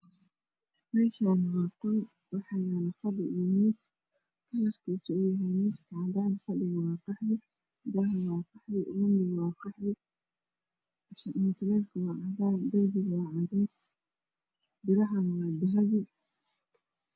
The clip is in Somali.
Meshani waa qol xawayalo fadhi io miis kalarkis oow yahay miiska cadan fadhiga waa qaxwi daah waa qaxwi roomiga waa qaxwi mutulelka waa cadan darbiga waa cades birah waa dahbi